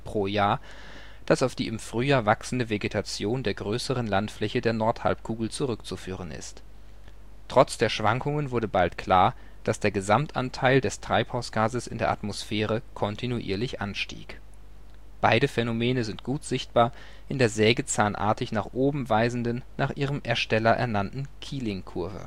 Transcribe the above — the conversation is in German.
pro Jahr, das auf die im Frühjahr wachsende Vegetation der größeren Landfläche der Nordhalbkugel zurückzuführen ist. Trotz der Schwankungen wurde bald klar, dass der Gesamtanteil des Treibhausgases in der Atmosphäre kontinuierlich anstieg. Beide Phänomene sind gut sichtbar in der sägezahnartig nach oben weisenden, nach ihrem Ersteller ernannten Keeling-Kurve